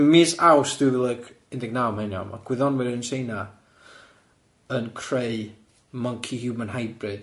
Ym mis Awst dwy fil ag undeg naw ma' hyn iawn, ma' gwyddonwyr yn Tsieina yn creu monkey human hybrid.